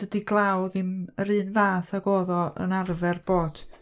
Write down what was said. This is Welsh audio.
Dydi glaw ddim yr un fath âg oedd o yn arfer bod.